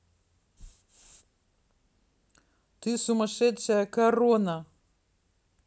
ты сумасшедшая корона